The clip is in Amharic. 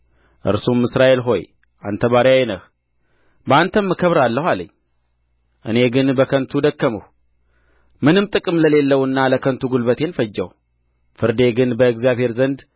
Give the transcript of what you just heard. እርሱም እስራኤል ሆይ አንተ ባሪያዬ ነህ በአንተም እከበራለሁ አለኝ እኔ ግን በከንቱ ደከምሁ ምንም ጥቅም ለሌለውና ለከንቱ ጕልበቴን ፈጀሁ ፍርዴ ግን በእግዚአብሔር ዘንድ